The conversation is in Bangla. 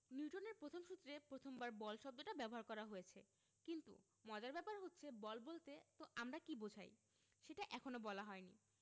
নিউটনের প্রথম সূত্রে প্রথমবার বল শব্দটা ব্যবহার করা হয়েছে কিন্তু মজার ব্যাপার হচ্ছে বল বলতে আমরা কী বোঝাই সেটা এখনো বলা হয়নি